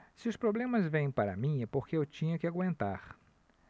se os problemas vêm para mim é porque eu tinha que aguentar